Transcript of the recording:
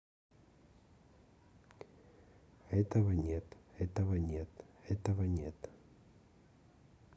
этого нет этого нет этого нет